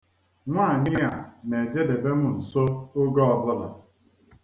Nwaanyị a na-ededebe m nso oge ọbụla.